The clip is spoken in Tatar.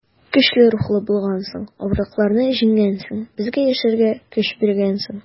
Көчле рухлы булгансың, авырлыкларны җиңгәнсең, безгә яшәргә көч биргәнсең.